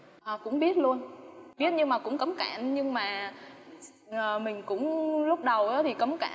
à cũng biết luôn biết nhưng mà cũng cấm cản nhưng mà mình cũng lúc đầu thì cấm cản